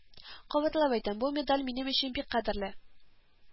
Кабатлап әйтәм, бу медаль минем өчен бик кадерле